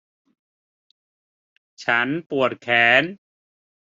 ฉันปวดแขน